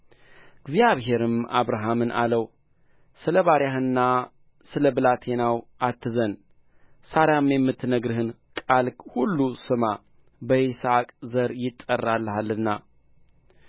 እግዚአብሔርም አብርሃምን አለው ስለ ባሪያህና ስለ ብላቴናው አትዘን ሣራም የምትነግርህን ቃል ሁሉ ስማ በይስሐቅ ዘር ይጠራልሃልና